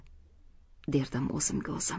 derdim o'zimga o'zim